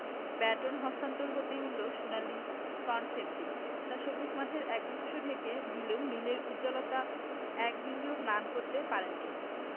baton হস্তান্তর হতেই উড়ল সোনালি কনফেত্তি তা সবুজ মাঠের একাংশ ঢেকে দিলেও নীলের উজ্জ্বলতা এক বিন্দুও ম্লান করতে পারেনি